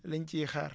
liñ ciy xaar